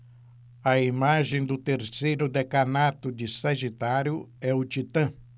a imagem do terceiro decanato de sagitário é o titã